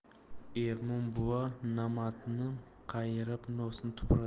ermon buva namatni qayirib nosni tupuradi